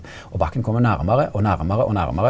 og bakken kjem nærmare og nærmare og nærmare.